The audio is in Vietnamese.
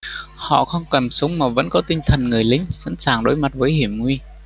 họ không cầm súng mà vẫn có tinh thần người lính sẵn sàng đối mặt với hiểm nguy